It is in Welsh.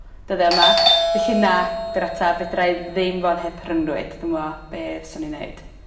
Dyddia 'ma. Felly na 'di'r atab fedrai ddim fod heb rhyngrwyd. Dw'mo' be' fyswn i'n neud.